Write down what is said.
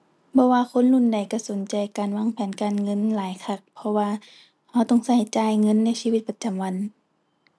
บ่ว่าคนรุ่นใดก็สนใจการวางแผนการเงินหลายคัก เพราะว่าก็ต้องก็จ่ายเงินในชีวิตประจำวัน